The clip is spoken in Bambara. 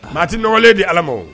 Maati nɔgɔlen di ala ma